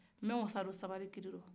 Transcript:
n bɛ n wasadon sabali kili la